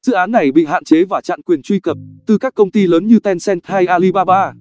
dự án này bị hạn chế và chặn quyền truy cập từ các công ty lớn như tencent hay alibaba